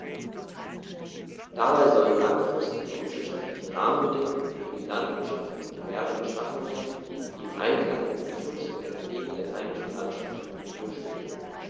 Dabei sollen langfristige und wirtschaftliche Rahmenbedingungen für Landwirtschaft und Gewerbe geschaffen werden, die im Einklang mit dem Schutz und der Pflege der heimischen Landschaft und Natur stehen.